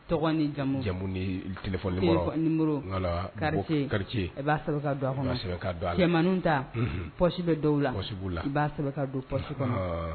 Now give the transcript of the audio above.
Jamumu nifɔlen gari i b'a don a don a cɛmannin ta psi bɛ dɔw la la i b'a don psi kɔnɔ